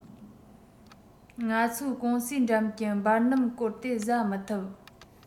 ང ཚོའི ཀུང སིའི འགྲམ གྱི འབར སྣུམ གོར དེ བཟའ མི ཐུབ